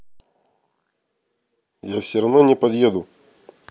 а я все равно не подъеду